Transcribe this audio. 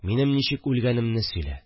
Минем ничек үлгәнемне сөйлә